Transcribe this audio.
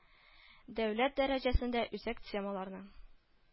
Дәүләт дәрәҗәсендә үзәк темаларның